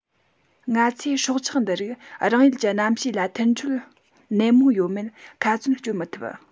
ང ཚོས སྲོག ཆགས འདི རིགས རང ཡུལ གྱི གནམ གཤིས ལ མཐུན འཕྲོད ནན མོ ཡོད མེད ཁ ཚོན གཅོད མི ཐུབ